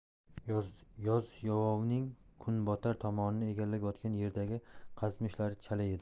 yozyovonning kunbotar tomonini egallab yotgan yerdagi qazishma ishlari chala edi